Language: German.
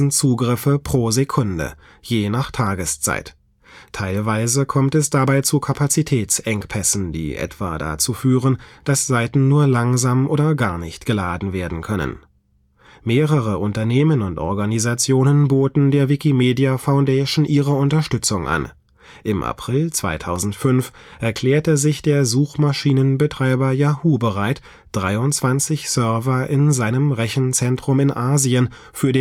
Zugriffe pro Sekunde, je nach Tageszeit. Teilweise kommt es dabei zu Kapazitätsengpässen, die etwa dazu führen, dass Seiten nur langsam oder gar nicht geladen werden können. Mehrere Unternehmen und Organisationen boten der Wikimedia Foundation ihre Unterstützung an. Im April 2005 erklärte sich der Suchmaschinenbetreiber Yahoo bereit, 23 Server in seinem Rechenzentrum in Asien für